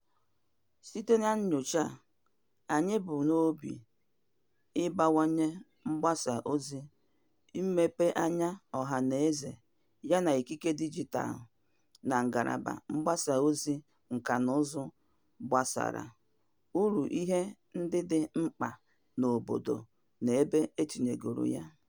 Site na nnyocha a, anyị bu n'obi ịbawanye mgbasaozi mmepeanya ọhanaeze yana ikike dijitaalụ na ngalaba mgbasaozi nkànaụzụ gbasara uru ihe ndị dị mkpa n'obodo na ebe etinyegoro ya.